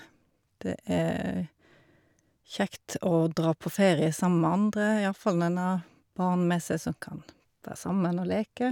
Det er kjekt å dra på ferie sammen med andre, iallfall når en har barn med seg som kan være sammen og leke.